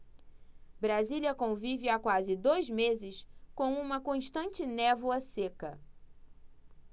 brasília convive há quase dois meses com uma constante névoa seca